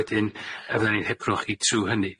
Wedyn fyddan ni'n hebrwng chi trw hynny.